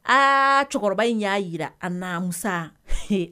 Aa cɛkɔrɔba in y'a jira a namisa